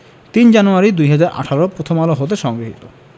০৩ January ২০১৮ Prothom Alo হতে সংগৃহীত